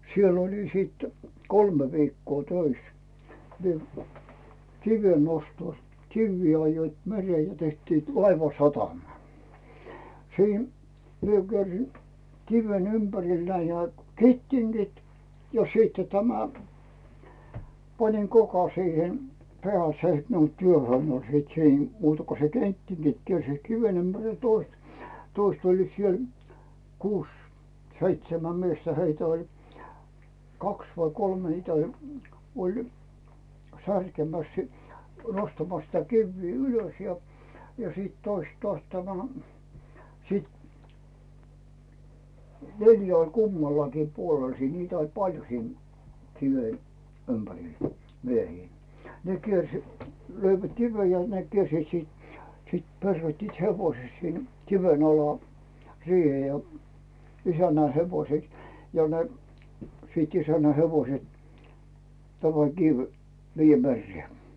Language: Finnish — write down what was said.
siellä olin sitten kolme viikkoa töissä minä kiven nostossa kiviä ajoivat mereen ja tekivät laivasatamaa siinä minä kiersin kiven ympärille näin nämä kettingit ja sitten tämän panin kokan siihen päälle se että nuo työhön oli sitten siinä muuta kun se kettingit kiersivät kiven ympärille ja toista toista olivat siellä kuusi seitsemän miestä heitä oli kaksi vai kolme heitä oli oli särkemässä - nostamassa sitä kiviä ylös ja sitten toista taas tämä sitten neljä oli kummallakin puolella siinä niitä oli paljon siinä kiven ympärillä miehiä ne - löivät kiven ja ne kiersivät sitten sitten peruuttivat hevosen sinne kiven alle siihen ja isännän hevoset ja ne sitten isännän hevoset tämä kivi viedään mereen